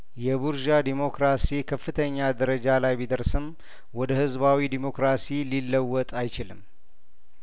የቡርዧ ዴሞክራሲ ከፍተኛ ደረጃ ላይ ቢደርስም ወደ ህዝባዊ ዴሞክራሲ ሊለወጥ አይችልም